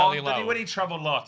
Ond dan ni wedi trafod lot.